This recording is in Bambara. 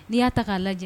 Ni y'a k'a lajɛ